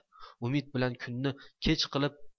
umid bilan kunni kech qilib